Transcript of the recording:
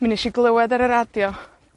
Mi wnesh i glywed ar y radio